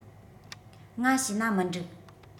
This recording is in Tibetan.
ང བྱས ན མི འགྲིག